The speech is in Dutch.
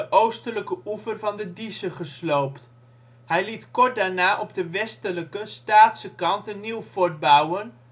oostelijke oever van de Dieze gesloopt. Hij liet kort daarna op de westelijke, Staatse kant een nieuw fort bouwen: Fort Crèvecoeur